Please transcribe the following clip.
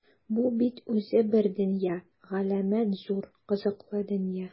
Бу бит үзе бер дөнья - галәмәт зур, кызыклы дөнья!